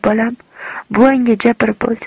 bolam buvangga jabr bo'ldi